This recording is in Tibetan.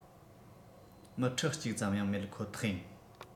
མི ཁྲི གཅིག ཙམ ཡང མེད ཁོ ཐག ཡིན